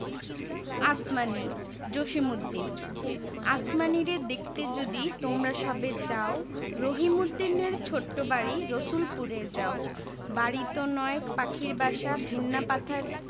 আসমানী জসিমউদ্দিন আসমানীরে দেখতে যদি তোমরা সবে চাও রহিমদ্দির ছোট্ট বাড়ি রসুলপুরে যাও বাড়িতো নয় পাখির বাসা ভেন্না পাতার